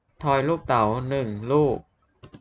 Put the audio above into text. ทอยลูกเต๋าหนึ่งลูก